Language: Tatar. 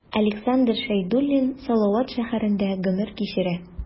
Александр Шәйдуллин Салават шәһәрендә гомер кичерә.